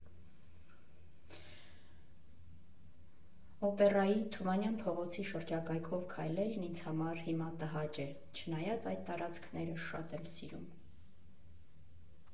Օպերայի, Թումանյան փողոցի շրջակայքով քայլելն ինձ համար հիմա տհաճ է, չնայած այդ տարածքները շատ եմ սիրում։